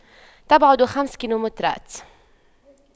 تبعد خمس كيلومترات